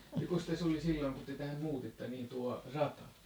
jokos tässä oli silloin kun te tähän muutitte niin tuo rata